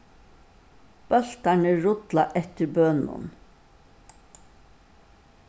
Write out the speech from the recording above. bóltarnir rulla eftir bønum